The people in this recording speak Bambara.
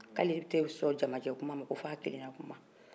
ko ale tɛ sɔn jamajɛkuma ma ko fɔ a kelen ka kuma